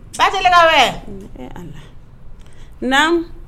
Batɛkaw bɛ a naamu